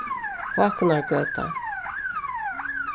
hákunargøta